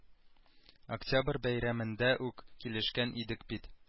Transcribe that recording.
Октябрь бәйрәмендә үк килешкән идек бит